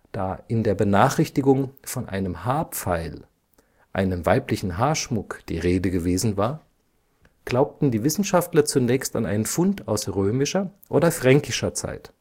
Da in der Benachrichtigung von einem „ Haarpfeil “, einem weiblichen Haarschmuck, die Rede gewesen war, glaubten die Wissenschaftler zunächst an einen Fund aus römischer oder fränkischer Zeit